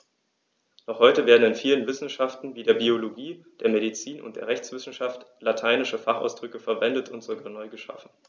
Noch heute werden in vielen Wissenschaften wie der Biologie, der Medizin und der Rechtswissenschaft lateinische Fachausdrücke verwendet und sogar neu geschaffen.